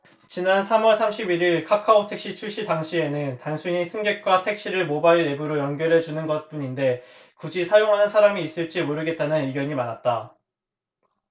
지난 삼 월 삼십 일 일 카카오택시 출시 당시에는 단순히 승객과 택시를 모바일 앱으로 연결해주는 것뿐인데 굳이 사용하는 사람이 있을지 모르겠다는 의견이 많았다